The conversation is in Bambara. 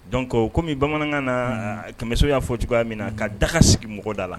Don komi bamanankan na kɛmɛso y'a fɔ cogoya min na ka daga sigi mɔgɔ da la